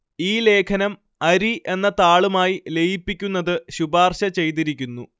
ഈ ലേഖനം അരി എന്ന താളുമായി ലയിപ്പിക്കുന്നത് ശുപാർശ ചെയ്തിരിക്കുന്നു